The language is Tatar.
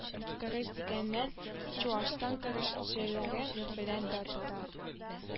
Көрәш дигәннән чуаштан көрәшчеләре белән дан тота